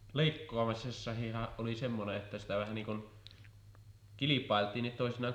leikkaamisessakinhan oli semmoinen että sitä vähän niin kuin kilpailtiin toisinaan